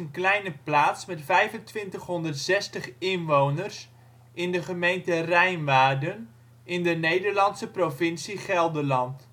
kleine plaats met 2.560 inwoners in de gemeente Rijnwaarden in de Nederlandse provincie Gelderland